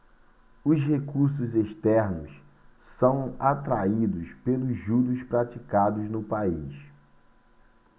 os recursos externos são atraídos pelos juros praticados no país